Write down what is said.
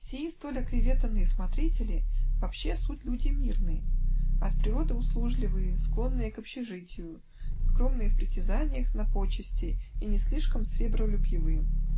Сии столь оклеветанные смотрители вообще суть люди мирные, от природы услужливые, склонные к общежитию, скромные в притязаниях на почести и не слишком сребролюбивые.